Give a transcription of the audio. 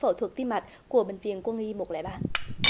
phẫu thuật tim mạch của bệnh viện quân y một lẻ ba